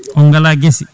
on gala guese